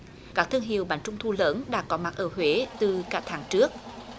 các thương hiệu bánh trung thu lớn đã có mặt ở huế từ các tháng trước